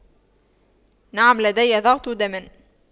نعم لدي ضغط دم